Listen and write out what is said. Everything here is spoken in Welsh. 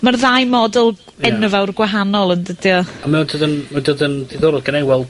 Ma'r ddau model enfawr gwahanol, yn dydi o? A mae dod yn ma' dod yn diddorol genna' i weld